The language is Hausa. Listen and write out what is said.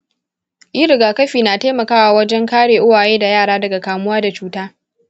yin rigakafi na taimakawa wajan kare uwaye da yara daga kamuwa da cuta.